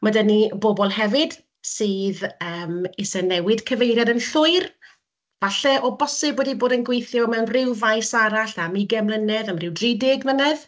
ma' 'da ni bobl hefyd sydd ym isie newid cyfeiriad yn llwyr, falle o bosib wedi bod yn gweithio mewn ryw faes arall am ugain mlynedd, am ryw drideg mlynedd